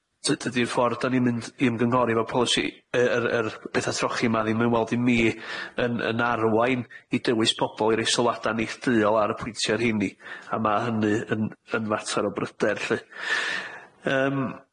Ty- dydi'r ffordd 'dan ni'n mynd i ymgynghori efo polisi- y yr yr petha trochi 'ma ddim i weld i mi yn yn arwain i dywys pobol i roi sylwada neilltuol ar y pwyntia' rheini, a ma' hynny yn yn fater o bryder 'lly. Yym